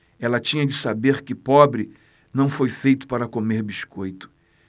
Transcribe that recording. ela tinha de saber que pobre não foi feito para comer biscoito